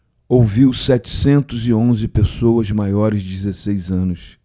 ouviu setecentos e onze pessoas maiores de dezesseis anos